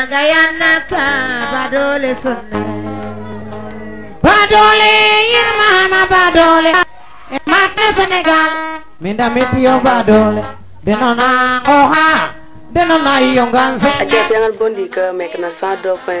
peut etre awaa refa areer awaa ref nen kaaf nen ki nen ɓasi fop manaam ku ando naye xoox we owey njefandi koorano yo t te refa coono na den avant i ndalfaxo ndoka kam lamit ne i coxo ñuxrole te simnir fo nuun avant i ndalfaxo suura yo